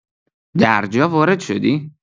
درجا وارد شدی؟